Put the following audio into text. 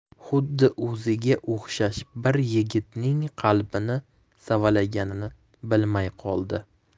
xuddi o'ziga o'xshash bir yigitning qalbini savalaganini bilmay qoldi